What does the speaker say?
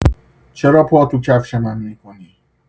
چرا پا توی کفش من می‌کنی.